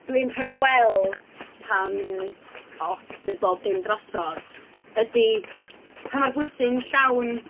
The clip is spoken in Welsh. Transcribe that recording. dwi'n rhagweld pan... os fydd bob dim drosodd ydi, pan mae'r bwyty'n llawn...